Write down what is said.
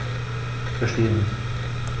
Verstehe nicht.